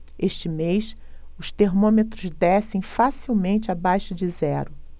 este mês os termômetros descem facilmente abaixo de zero